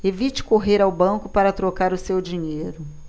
evite correr ao banco para trocar o seu dinheiro